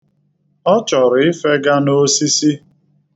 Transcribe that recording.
Ọ chọrọ ifega n'osisi.